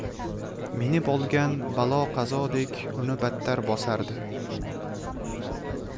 minib olgan balo qazodek uni battar bosardi